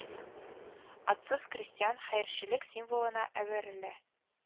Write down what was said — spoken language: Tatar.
Атсыз крестьян хәерчелек символына әверелә